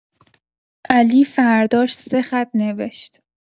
علی فرداش سه خط نوشت.